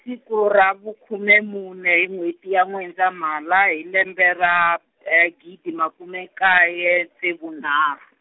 siku ra vukhume mune hi n'wheti ya N'wendzamhala hi lembe ra, gidi makume nkaye ntsevu nharhu.